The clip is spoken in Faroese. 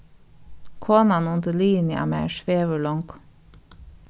konan undir liðini á mær svevur longu